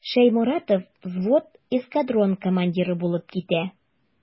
Шәйморатов взвод, эскадрон командиры булып китә.